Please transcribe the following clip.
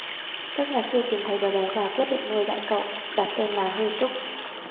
các nhà sư tìm thấy đứa bé và quyết định nuôi dạy cậu đặt tên là hư trúc